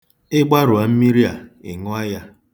Ị gbarụọ mmiri a, ị ṅụọ ya.